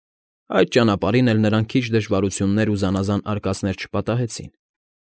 Այդ ճանապարհին էլ նրան քիչ դժվարություններ ու զանազան արկածներ չպատահեցին։